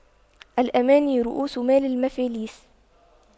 الأماني رءوس مال المفاليس